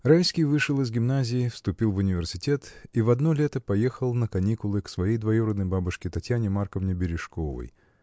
Райский вышел из гимназии, вступил в университет и в одно лето поехал на каникулы к своей двоюродной бабушке, Татьяне Марковне Бережковой.